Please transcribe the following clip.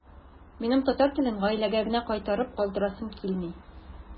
Минем татар телен гаиләгә генә кайтарып калдырасым килми.